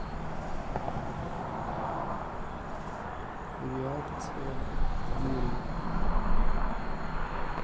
реакция вели